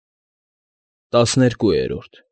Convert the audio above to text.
ՏԱՍՆԵՐԿՈՒԵՐՈՐԴ։